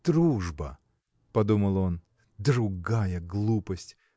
Дружба, – подумал он, – другая глупость!